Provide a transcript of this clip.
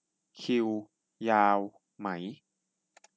คิวยาวไหม